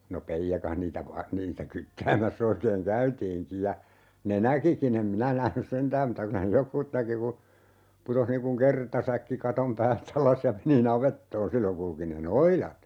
no peijakas niitä - niitä kyttäämässä oikein käytiinkin ja ne näkikin en minä nähnyt sentään mutta kyllä ne jotkut näki kun putosi niin kuin kertasäkki katon päältä alas ja meni navettaan silloin kulki ne noidat